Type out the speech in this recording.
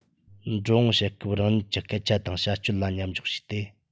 འགྲོ འོང བྱེད སྐབས རང ཉིད ཀྱི སྐད ཆ དང བྱ སྤྱོད ལ མཉམ འཇོག བྱས ཏེ